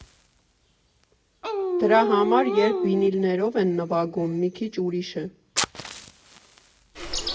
Դրա համար, երբ վինիլներով են նվագում, մի քիչ ուրիշ է։